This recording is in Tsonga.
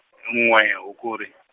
n'we Hukuri.